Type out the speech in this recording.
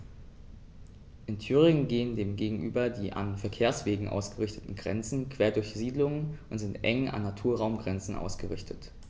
In Thüringen gehen dem gegenüber die an Verkehrswegen ausgerichteten Grenzen quer durch Siedlungen und sind eng an Naturraumgrenzen ausgerichtet.